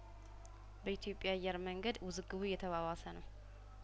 በኢትዮጵያ አየር መንገድ ውዝግቡ እየተባባሰ ነው